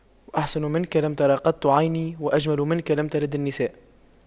وأحسن منك لم تر قط عيني وأجمل منك لم تلد النساء